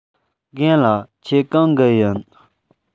རྒན ལགས ཁྱེད གང གི ཡིན